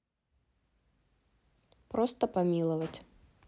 просто помиловать